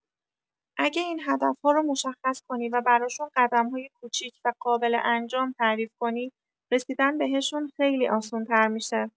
اگه این هدف‌ها رو مشخص کنی و براشون قدم‌های کوچیک و قابل انجام تعریف کنی، رسیدن بهشون خیلی آسون‌تر می‌شه.